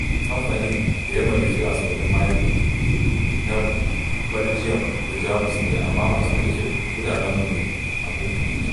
Kamfanin [da ya mallaki kasuwannin Maɗi] na Baljiyam da Jamus ne amma masu aikin mutanenmu ne! Abin kunya!